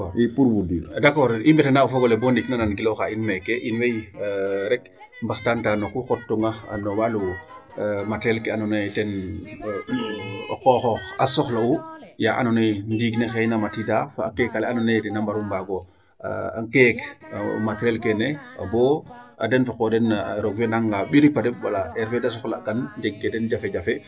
D' accord i mbetanda o fog ole bo ndiik na nangilooxaa in meeke in way rek mbaxtaan ta no ku xottoona no walu matériel ke andoona yee ten o qooxoox a soxla'u yaa andoona yee ndiig ne xayna matiida fa a keek ale andoona yee den a mbaru mbaago a ngeek matériel keene boo den fa qoox den roog fe nanga piriipa deɓ wala heure fee da soxla'kan njeg kee teen jafe jafe.